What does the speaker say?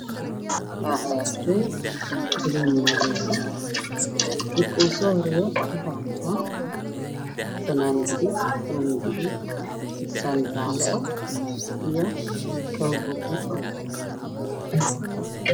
Waa ciyaartooy banooni dheeleyso ninka ugu soo horeeyo wuxu wataa funaanad gaduud buumo gaduud sikisaan jaalle ah iyo kabo baabuud jaalle ah